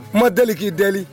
Kuma deli k'i deli